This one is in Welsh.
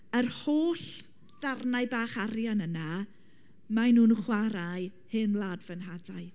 Yr holl ddarnau bach arian yna, maen nhw'n chwarae hen wlad fy nhadau.